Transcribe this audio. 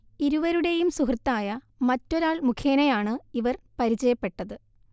ഇരുവരുടെയും സുഹൃത്തായ മറ്റൊരാൾ മുഖേനയാണ് ഇവർ പരിചയപ്പെട്ടത്